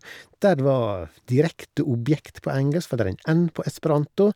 Der det var direkte objekt på engelsk, var der en n på esperanto.